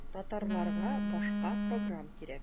Татарларга башка программ кирәк.